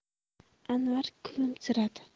anvar kulimsiradi